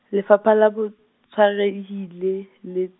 Lefapha la Botshwarehile le.